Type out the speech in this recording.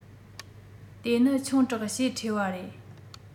དེ ནི ཆུང དྲགས ཞེ ཁྲེལ བ རེད